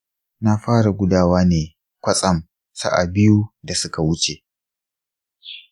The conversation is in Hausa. na fara gudawa ne kwastam sa'a biyu da suka wuce.